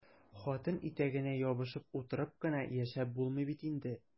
Хатын итәгенә ябышып утырып кына яшәп булмый бит инде!